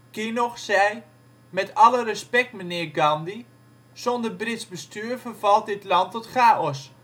Kinnoch: " Met alle respect, meneer Gandhi, zonder Brits bestuur vervalt dit land tot chaos